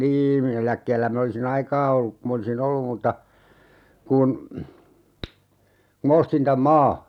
niin minä eläkkeellä minä olisin aikaa ollut kun minä olisin ollut mutta kun kun minä ostin tämän maan